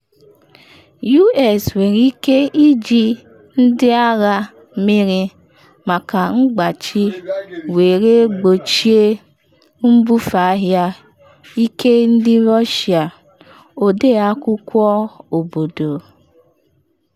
US nwere ike iji Ndị Agha Mmiri maka “mgbachi” were gbochie nbufe ahịa Ike ndị Russia- Ọde Akwụkwọ Obodo